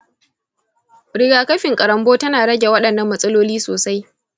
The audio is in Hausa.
riga-kafin karonbo tana rage waɗannan matsaloli sosai.